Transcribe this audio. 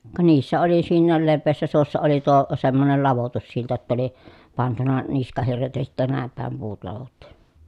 ka niissä oli siinä leveässä suossa oli tuo semmoinen ladotussilta jotta oli pantu niskahirret ja sitten näin päin puut ladottu